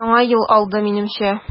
Яңа ел алды, минемчә.